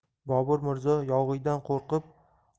bobur mirzo yog'iydan qo'rqib